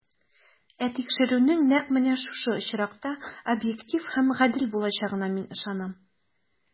Ә тикшерүнең нәкъ менә шушы очракта объектив һәм гадел булачагына мин ышанам.